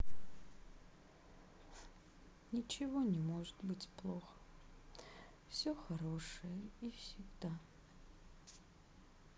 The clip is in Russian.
ничего не может быть плохо все хорошее и всегда